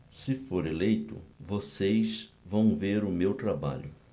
se for eleito vocês vão ver o meu trabalho